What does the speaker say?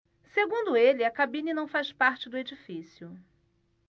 segundo ele a cabine não faz parte do edifício